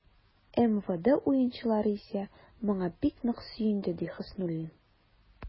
МВД уенчылары исә, моңа бик нык сөенде, ди Хөснуллин.